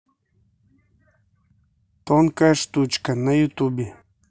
тонкая штучка на ютубе